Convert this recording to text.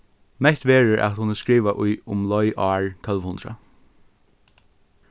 mett verður at hon er skrivað í umleið ár tólv hundrað